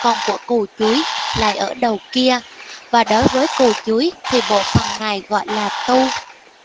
còn của cù chuối lại ở đầu kia và đối với cù chuối thì bộ phận này gọi là tu